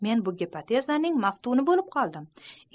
men bu gipotezaning maftuni bolib qoldim